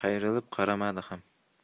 qayrilib qaramadi ham